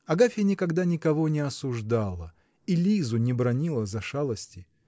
Агафья никогда никого не осуждала и Лизу не бранила за шалости.